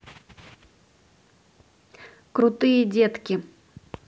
крутые детки